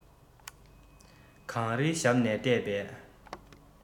གངས རིའི ཞབས ནས ལྟས པས